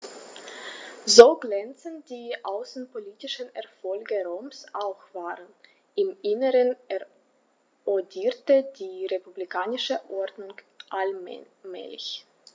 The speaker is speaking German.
So glänzend die außenpolitischen Erfolge Roms auch waren: Im Inneren erodierte die republikanische Ordnung allmählich.